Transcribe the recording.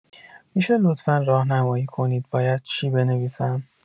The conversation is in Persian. می‌شه لطفا راهنمایی کنید باید چی بنویسم؟